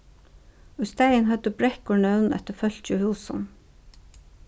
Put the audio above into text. í staðin høvdu brekkur nøvn eftir fólki og húsum